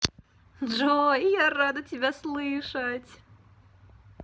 джой я рада тебя слышать